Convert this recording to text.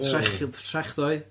trech- dd- trechddoe